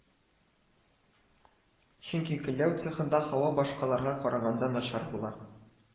Чөнки көлләү цехында һава башкаларга караганда начар була